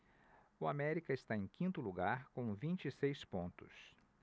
o américa está em quinto lugar com vinte e seis pontos